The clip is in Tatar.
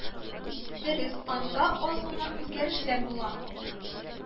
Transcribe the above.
Дөрес, анда аз гына үзгәрешләр була